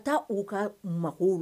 Ka taa u ka mago la